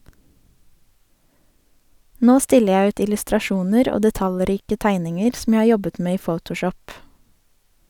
Nå stiller jeg ut illustrasjoner og detaljrike tegninger som jeg har jobbet med i photoshop.